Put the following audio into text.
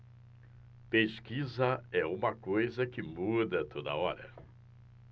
pesquisa é uma coisa que muda a toda hora